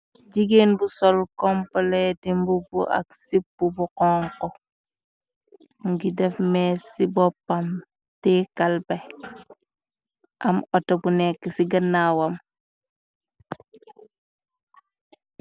Jigéen bu sol kompalee di mbobu ak sipu bu xonko ngi def mees ci boppam teeyeh kalpe am auto bu nekk ci gënnawam.